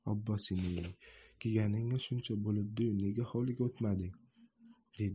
obbo san ey keganingga shuncha bo'bdi yu nega hovliga o'tmading deydi